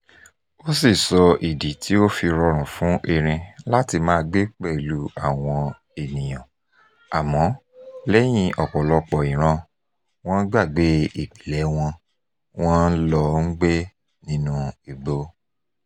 Ó sọ ìdí tí ó fi rọrùn fún erin láti máa gbé pẹ̀lú àwọn ènìyàn àmọ́, lẹ́yìn ọ̀pọ̀lọpọ̀ ìran, wọ́n gbàgbé ìpìlẹ̀ wọn, wọ́n lọ ń gbé nínú igbó.